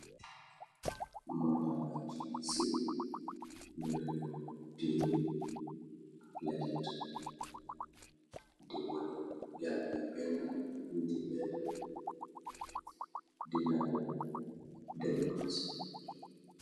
Mandarnga ci di c ñare loxo tie laket ti wone jàmbie bennala ñiti bennala di ndamu democraci.